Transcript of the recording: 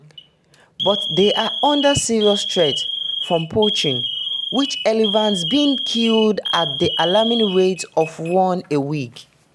But they are under serious threat from poaching, with elephants being killed at the alarming rate of one a week.